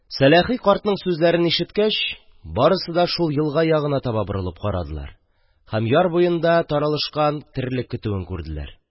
Сәләхи картның сүзләрен ишеткәч, барысы да шул елга ягына таба борылып карадылар һәм яр буенда таралышкан терлек көтүен күрделәр.